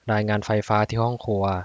รายงานไฟฟ้าที่ห้องครัว